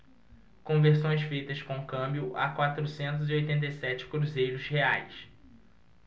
conversões feitas com câmbio a quatrocentos e oitenta e sete cruzeiros reais